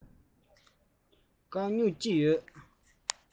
སྐམ སྨྱུག གཅིག ཡོད